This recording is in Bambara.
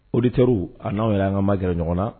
auditeurs a n'aw yɛrɛ, an ka ma gɛrɛn ɲɔgɔn na!